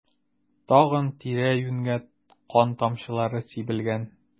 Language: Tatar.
Тагын тирә-юньгә кан тамчылары сибелгән.